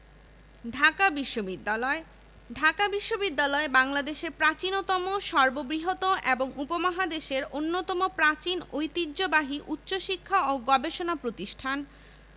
সংস্কৃত ও বাংলা ইংরেজি ইতিহাস আরবি ও ইসলামিক স্টাডিজ ফার্সি ও উর্দু দর্শন এবং রাজনৈতিক অর্থনীতি